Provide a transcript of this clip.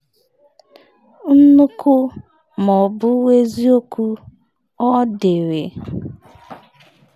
“Nnukwu ma ọ bụrụ eziokwu,” ọ dere.